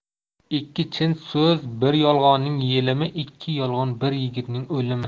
ikki chin so'z bir yolg'onning yelimi ikki yolg'on bir yigitning o'limi